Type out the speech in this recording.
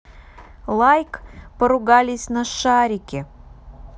лайк поругались на шарики